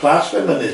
Plas Penmynydd?